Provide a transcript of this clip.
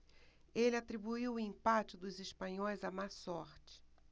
ele atribuiu o empate dos espanhóis à má sorte